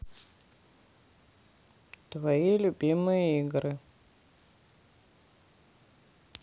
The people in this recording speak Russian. твои любимые игры